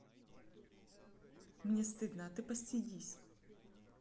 мне стыдно а ты постыдись